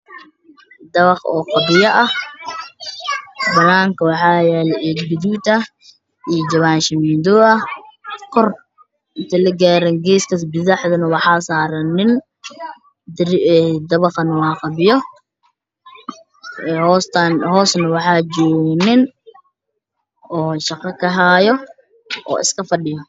Dabaq qabya ah banan ka waxaa yaalo ciid gaduud ah iyo shamiito